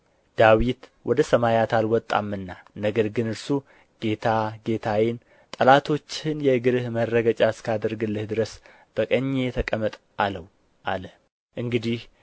ዳዊት ወደ ሰማያት አልወጣምና ነገር ግን እርሱ ጌታ ጌታዬን ጠላቶችህን የእግርህ መረገጫ እስካደርግልህ ድረስ በቀኜ ተቀመጥ አለው አለ እንግዲህ